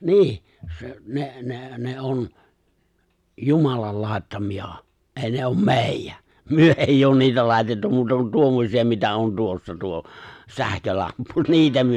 niin se ne ne ne on jumalan laittamia ei ne ole meidän me ei ole niitä laitettu muuta kuin tuommoisia mitä on tuossa tuo sähkölamppu niitä me